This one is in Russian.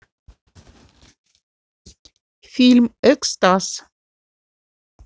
фильм экстаз